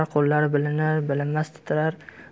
qo'llari bilinar bilinmas titrar